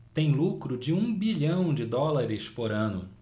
tem lucro de um bilhão de dólares por ano